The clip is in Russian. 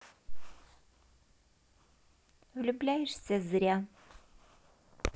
влюбляешься зря